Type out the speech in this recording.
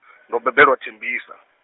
ndo bebelwa tembisa.